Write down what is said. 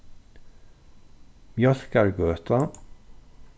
mjólkargøta